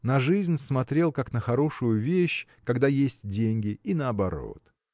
На жизнь смотрел как на хорошую вещь, когда есть деньги, и наоборот.